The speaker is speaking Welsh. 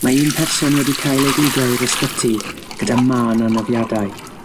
Mae un person wedi cael ei gludo i'r ysbyty gyda mân anafiadau.